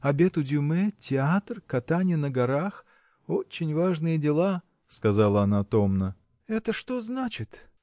обед у Дюмэ, театр, катанье на горах – очень важные дела. – сказала она томно. – Это что значит?